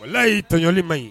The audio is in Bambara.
Wala ala y'i tɔjli man ye